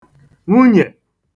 nwunyè